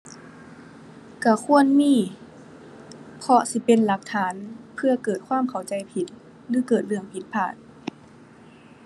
ก็ควรมี เพราะสิเป็นหลักฐานเผื่อเกิดความเข้าใจผิดหรือเกิดเรื่องผิดพลาด